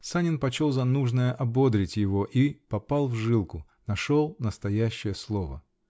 Санин почел за нужное ободрить его -- и попал в жилку, нашел настоящее слово.